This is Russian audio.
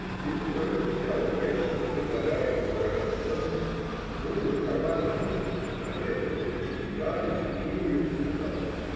Василий Петрович взял из ящика предлагаемую драгоценность, вынул из кармана ножичек, обрезал кончик сигары, закурил ее и сказал